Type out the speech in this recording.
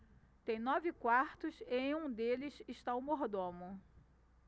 tem nove quartos e em um deles está o mordomo